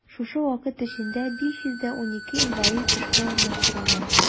Шушы вакыт эчендә 512 инвалид эшкә урнаштырылган.